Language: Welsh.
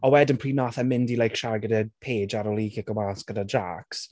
Ond wedyn pryd wnaeth e mynd i like siarad gyda Paige ar ôl hi cico mas gyda Jaques...